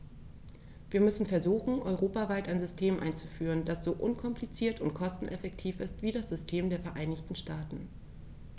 Wir müssen versuchen, europaweit ein System einzuführen, das so unkompliziert und kosteneffektiv ist wie das System der Vereinigten Staaten.